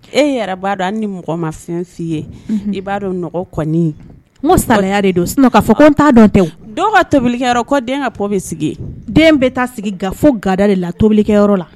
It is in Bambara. E yɛrɛ b'a dɔn ni mɔgɔ mafɛnsi ye i b'a dɔn mɔgɔ salaya de don t'a dɔn dɔw ka tobiliyɔrɔ kɔ den ka p bɛ sigi den bɛ taa sigi ga fo gada de la tobilikɛyɔrɔ la